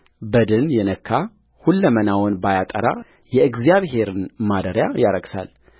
በድን የነካ ሁለመናውን ባያጠራ የእግዚአብሔርን ማደሪያ ያረክሳል